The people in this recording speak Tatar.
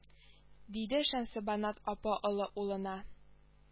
Диде шәмсебанат апа олы улына